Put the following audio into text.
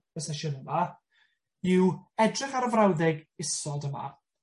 y sesiwn yma yw edrych ar y frawddeg isod yma